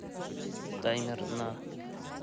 таймер на